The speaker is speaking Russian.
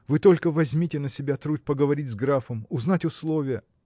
Вы только возьмите на себя труд поговорить с графом, узнать условия.